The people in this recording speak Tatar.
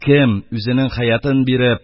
Кем үзенең хәятын биреп